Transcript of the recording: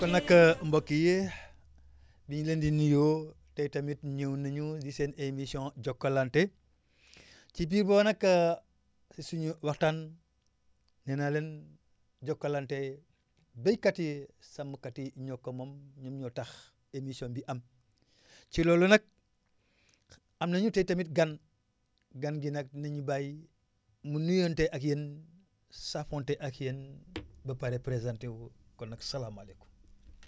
kon nag mbokk yi ñu ngi leen di nuyoo tay tamit ñëw nañu ci seen émission jokkalante ci bii boo nag ci suñu waxtaan nee naa leen jokkalante baykat yi sàmmkat yiñoo ko moom ñoom ñoo tax émission bi am ci loolu nag am nañu tamit gan gan gi nag nañu bàyyi mu nuyonte ak yéen saafonte ak yéen ba pare présenté wu kon nag salaamaleykum